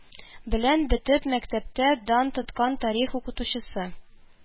Белән бөтен мәктәптә дан тоткан тарих укытучысы